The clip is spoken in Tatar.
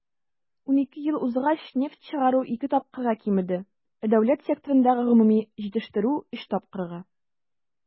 12 ел узгач нефть чыгару ике тапкырга кимеде, ә дәүләт секторындагы гомуми җитештерү - өч тапкырга.